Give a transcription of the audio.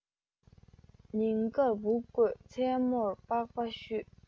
ཉིན དཀར འབུ བརྐོས མཚན མོར པགས པ བཤུས